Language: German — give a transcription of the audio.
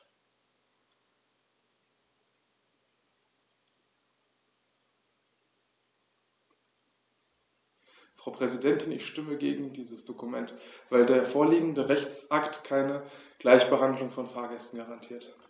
Frau Präsidentin, ich stimme gegen dieses Dokument, weil der vorliegende Rechtsakt keine Gleichbehandlung von Fahrgästen garantiert.